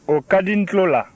o ka di n tulo la